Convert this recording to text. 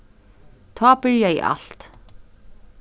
tá byrjaði alt